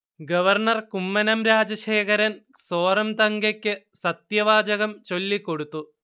governor Kummanam Rajasekharan സോറംതങ്കയ്ക്ക് സത്യവാചകം ചൊല്ലിക്കൊടുത്തു